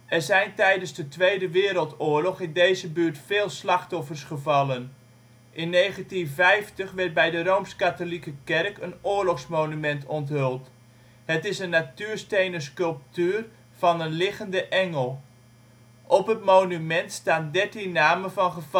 zijn tijdens de Tweede Wereldoorlog in deze buurt veel slachtoffers gevallen. In 1950 werd bij de R.K. kerk een oorlogsmonument onthuld. Het is een natuurstenen sculptuur van een liggende engel. Op het monument staan dertien namen van